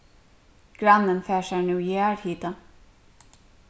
grannin fær sær nú jarðhita